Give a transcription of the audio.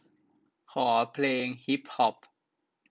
ขอเพลงฮิปฮอป